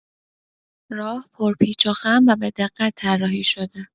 راه پرپیچ‌وخم و به‌دقت طراحی‌شده